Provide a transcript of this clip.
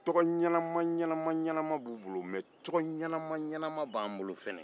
tɔgɔ ɲɛnama ɲɛnama ɲɛnama b'u bolo mɛ tɔgɔ ɲɛnama ɲɛnama b'an bolo fana